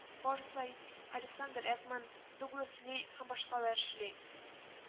Форсайт, Александр Экман, Дуглас Ли һәм башкалар эшли